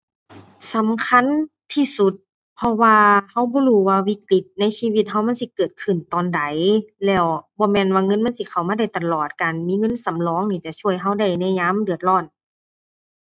สำคัญที่สุด เพราะว่าเราบ่รู้ว่าวิกฤตในชีวิตเรา มันสิเกิดขึ้นตอนใด แล้วบ่แม่นว่าเงินมันสิเข้ามาได้ตลอด การมีเงินสำรองนี่จะช่วยเราได้ในยามเดือดร้อน